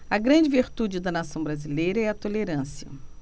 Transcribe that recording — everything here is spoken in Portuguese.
a grande virtude da nação brasileira é a tolerância